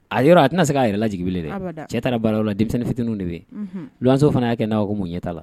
A yɔrɔ a tɛna se a yɛrɛlajbele dɛ cɛ taara baara la denmisɛnninmi fitinin de bɛ yen lɔso fana y' kɛ n'a ko mun ɲɛta la